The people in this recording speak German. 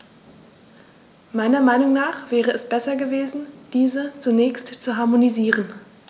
Meiner Meinung nach wäre es besser gewesen, diese zunächst zu harmonisieren.